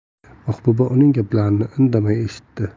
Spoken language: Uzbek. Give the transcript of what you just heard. mahbuba uning gaplarini indamay eshitdi